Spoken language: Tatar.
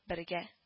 Бергә